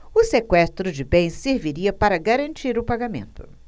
o sequestro de bens serviria para garantir o pagamento